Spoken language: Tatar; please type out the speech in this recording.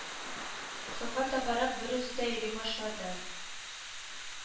Соңга табарак берүзе дә йөри башлады